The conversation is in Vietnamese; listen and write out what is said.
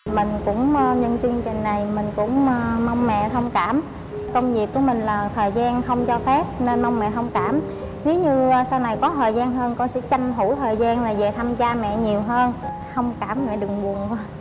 mình cũng nhân chương trình này mình cũng mong mẹ thông cảm công việc của mình là thời gian không cho phép nên mong mẹ thông cảm thế nhưng sau này có thời gian hơn con sẽ tranh thủ thời gian là về thăm cha mẹ nhiều hơn thông cảm mẹ đừng buồn con